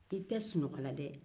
i tɛ sunɔgɔla dɛɛ